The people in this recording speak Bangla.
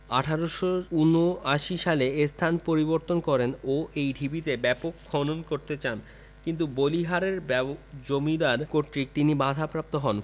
১৮৭৯ সালে এ স্থান পরিদর্শন করেন ও এই ঢিবিতে ব্যাপক খনন করতে চান কিন্তু বলিহারের জমিদার কর্তৃক তিনি বাধাপ্রাপ্ত হন